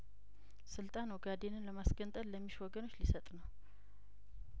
ስልጣን ኦጋዴንን ለማስ ገንጠል ለሚሹ ወገኖች ሊሰጥ ነው